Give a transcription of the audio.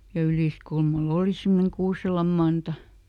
ja Yliskulmalla oli semmoinen Kuuselan Manta